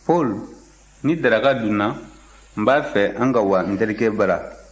paul ni daraka dunna n b'a fɛ an ka wa n terikɛ bara